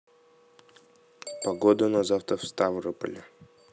погода на завтра в ставрополе